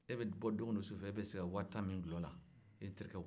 e bɛ bɔ don o don sufɛ et bɛ se ka batan min dulɔ la e n'i terikɛw